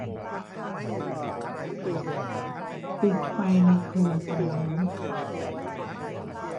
ปิดไฟในครัวตอนนี้